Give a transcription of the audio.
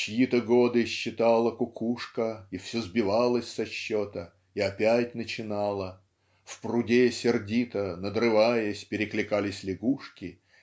Чьи-то годы считала кукушка и все сбивалась со счета и опять начинала. В пруде сердито надрываясь перекликались лягушки